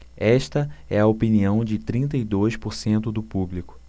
esta é a opinião de trinta e dois por cento do público